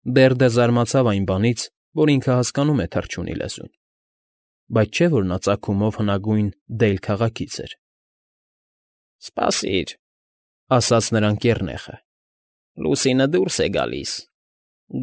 Բերդը զարմացավ այն բանից, որ ինքը հասկանում է թռչունի լեզուն, բայց չէ՞ որ նա ծագումով հնագույն Դեյլ քաղաքից էր։ ֊ Սպասիր…֊ ասաց նրան կեռնեխը։֊ Լուսինը դուրս է գալիս։